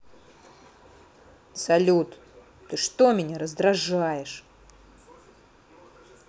салют ты что меня раздражаешь